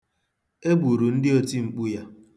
E gburu ndị otimkpu ya.